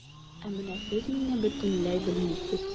Ә менә сез мине бөтенләй белмисез.